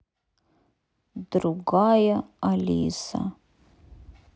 другая алиса